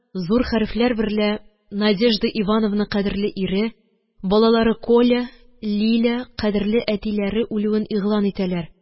Зур хәрефләр берлә «надежда ивановна кадерле 402 ире, балалары коля, лиля кадерле әтиләре үлүен игълан итәләр